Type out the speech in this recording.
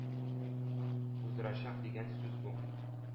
Уздырачак дигән сүз бу.